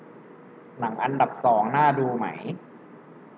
หนังอันดับสองน่าดูไหม